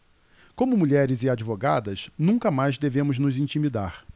como mulheres e advogadas nunca mais devemos nos intimidar